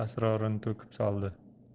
asrorini to'kib soldi